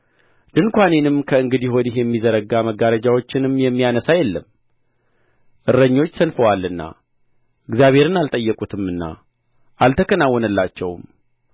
ድንኳኔንም ከእንግዲህ ወዲህ የሚዘረጋ መጋረጃዎችንም የሚያነሣ የለም እረኞች ሰንፈዋልና እግዚአብሔርን አልጠየቁትምና አልተከናወነላቸውም